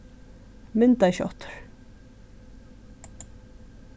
myndaskjáttur